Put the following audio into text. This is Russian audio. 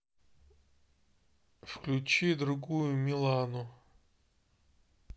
включи другую милану